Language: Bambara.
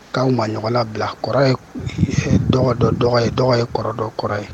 K'an ka ɲɔgɔn labila, kɔrɔ ye dɔgɔ dɔn dɔgɔ ye, dɔgɔ ye kɔrɔ dɔn kɔrɔ ye